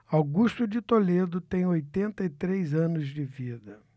augusto de toledo tem oitenta e três anos de vida